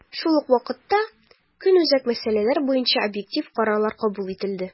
Шул ук вакытта, көнүзәк мәсьәләләр буенча объектив карарлар кабул ителде.